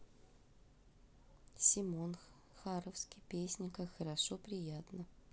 simon харовский песня как хорошо приятно